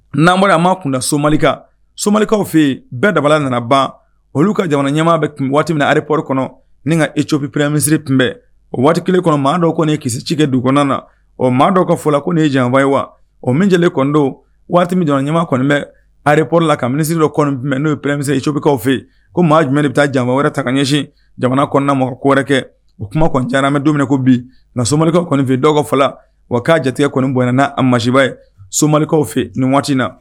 Nanba a ma kunda somaka somakaw fɛ yen bɛɛ dabala nana ban olu ka jamana ɲɛmaa bɛ waati min arerip kɔnɔ ni ka etop premmisiriri tun bɛ o waati kelen kɔnɔ maa dɔw kɔni kisi cikɛ du kɔnɔna na o maa dɔw ka fɔ ko nin ye janfa ye wa o min lajɛlen kɔnɔ don waati min jamana ɲɛma kɔni bɛ areporo la ka minisiri dɔ n' ye preɛmiecbikaw fɛ yen ko mɔgɔ jumɛn de bɛ taa jan wɛrɛ taga ɲɛsin jamana kɔnɔna mɔgɔɔrɛ kɛ o kuma kɔni camanmɛ dumuni ko bi na somakɛ kɔnifɛ dɔw fɔlɔ wa k'a jate kɔni bɔnɛna a masiba ye somakaw fɛ nin waati in na